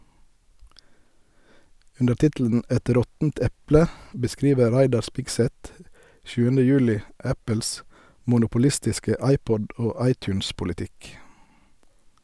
Under tittelen "Et råttent eple" beskriver Reidar Spigseth 7. juli Apples monopolistiske iPod- og iTunes-politikk.